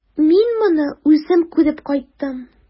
Мин моны үзем күреп кайттым.